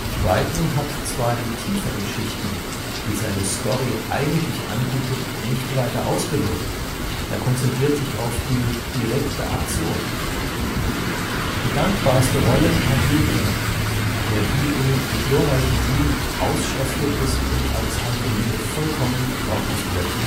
Crichton hat zwar die tieferen Schichten, die seine Story eigentlich anbietet, nicht weiter ausgelotet; er konzentriert sich auf die direkte Aktion. Die dankbarste Rolle hat Yul Brynner, der wie in „ Die glorreichen Sieben “ausstaffiert ist und als Androide vollkommen glaubhaft wirkt